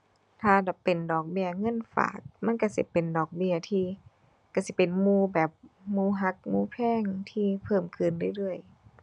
ถ้าดอกเป็นดอกเบี้ยเงินฝาก มันก็สิเป็นดอกเบี้ยที่ ก็สิเป็นหมู่แบบ หมู่ก็หมู่แพงที่เพิ่มขึ้นเรื่อยเรื่อย